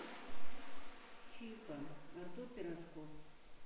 чика артур пирожков